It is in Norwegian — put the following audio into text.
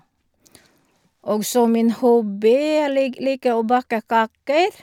Og så min hobby, jeg lik liker å bake kaker.